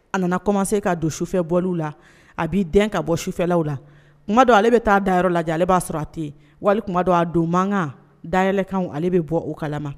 A nana kɔma se ka don sufɛ bɔlaw la a b'i den ka bɔ sufɛlaw la don ale bɛ taa dayɔrɔ la ale b'a sɔrɔ a tɛ wali kuma don a don mankankan dayɛlɛ ale bɛ bɔ o kalama